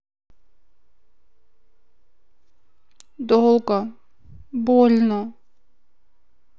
долго больно